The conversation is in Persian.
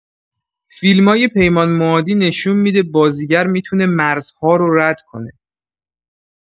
فیلمای پیمان معادی نشون می‌ده بازیگر می‌تونه مرزها رو رد کنه.